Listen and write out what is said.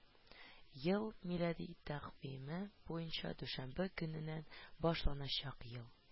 Ел – милади тәкъвиме буенча дүшәмбе көненнән башланачак ел